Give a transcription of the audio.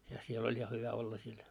ja siellä oli ja hyvä olla siellä